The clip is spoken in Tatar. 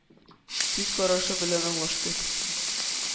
Күз карашы белән аңлаштык.